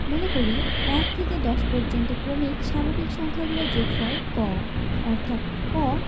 মনে করি ১ থেকে ১০ পর্যন্ত ক্রমিক স্বাভাবিক সংখ্যাগুলোর যোগফল ক অর্থাৎ ক